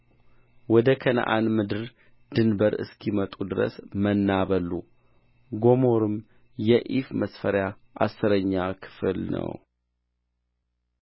ወደ ከነዓን ምድር ድንበር እስኪመጡ ድረስ መና በሉ ጎሞርም የኢፍ መስፈሪያ አሥረኛ ክፍል ነው